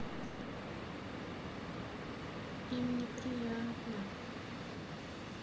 им неприятно